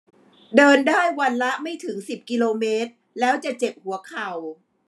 เดินได้วันละไม่ถึงสิบกิโลเมตรแล้วจะเจ็บหัวเข่า